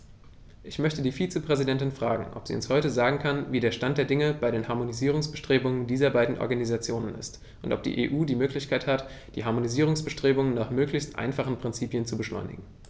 Ich möchte die Vizepräsidentin fragen, ob sie uns heute sagen kann, wie der Stand der Dinge bei den Harmonisierungsbestrebungen dieser beiden Organisationen ist, und ob die EU die Möglichkeit hat, die Harmonisierungsbestrebungen nach möglichst einfachen Prinzipien zu beschleunigen.